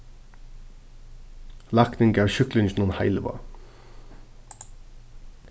læknin gav sjúklinginum heilivág